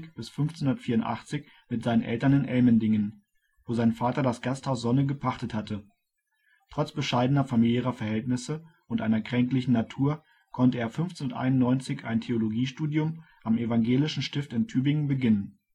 1584 mit seinen Eltern in Ellmendingen, wo sein Vater das Gasthaus " Sonne " gepachtet hatte. (Eine Gedenktafel hält dies in Erinnerung.) Trotz bescheidener familiärer Verhältnisse und einer kränklichen Natur konnte er 1591 ein Theologiestudium am Evangelischen Stift in Tübingen beginnen